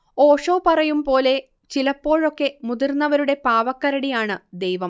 ഓഷോ പറയും പോലെ, ചിലപ്പോഴൊക്കെ മുതിർന്നവരുടെ പാവക്കരടിയാണ് ദൈവം